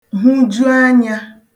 hụju anyā